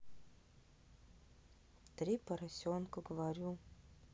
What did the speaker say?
три поросенка говорю